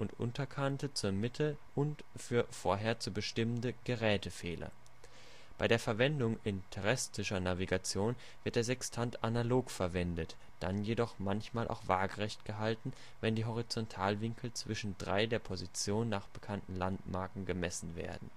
unterkante zur Mitte und für (vorher zu bestimmende) Gerätefehler. Bei der Verwendung in terrestischer Navigation wird der Sextant analog verwendet, dann jedoch manchmal auch waagerecht gehalten, wenn die Horizontalwinkel zwischen drei der Position nach bekannten Landmarken gemessen werden